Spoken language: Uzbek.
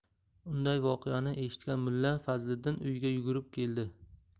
undan voqeani eshitgan mulla fazliddin uyiga yugurib keldi